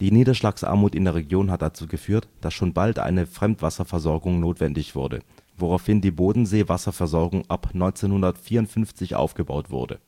Niederschlagsarmut in der Region hat dazu geführt, dass schon bald eine Fremdwasserversorgung notwendig wurde, woraufhin die Bodenseewasserversorgung ab 1954 aufgebaut wurde